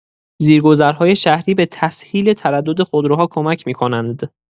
زیرگذرهای شهری به تسهیل تردد خودروها کمک می‌کنند.